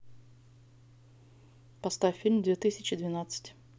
поставь фильм две тысячи двенадцать